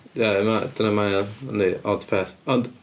Ia mae- dyna ma' o, yndi odpeth, ond...